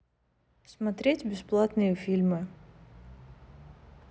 смотреть бесплатные фильмы